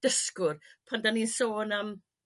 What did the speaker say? dysgwr pan dan ni'n sôn am